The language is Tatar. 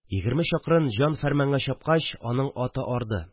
Егерме чакрым җан-фарманга чапкач, аның аты арды